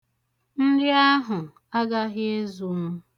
Nri ahụ agaghị ezu m.